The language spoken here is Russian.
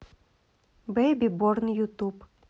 бейби борн ютуб